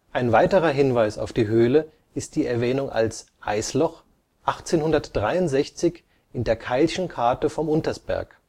Ein weiterer Hinweis auf die Höhle ist die Erwähnung als Eisloch 1863 in der Keil’ schen Karte vom Untersberg